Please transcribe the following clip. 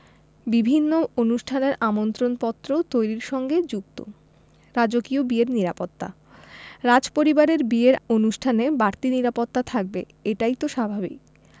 বিভিন্ন অনুষ্ঠানের আমন্ত্রণপত্র তৈরির সঙ্গে যুক্ত রাজকীয় বিয়ের নিরাপত্তা রাজপরিবারের বিয়ের অনুষ্ঠানে বাড়তি নিরাপত্তা থাকবে এটাই তো স্বাভাবিক